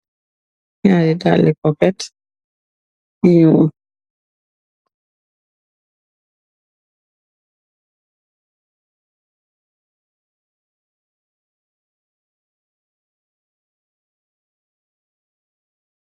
Nyaari dalle koket yu nyuul